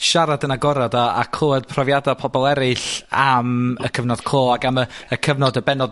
siarad yn agorad a a clwed profiada pobol eryll am y cyfnod clo ac am y y cyfnod y bennod